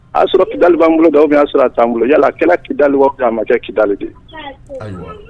A y'a sɔrɔ kidalibanan bolo dɔw bɛ'a sɔrɔ' bolo yalalakɛla kili a ma kɛ kidali de